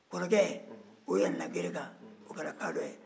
kɔrɔkɛ o yɛlɛnna gere kan o kɛra kaadɔ ye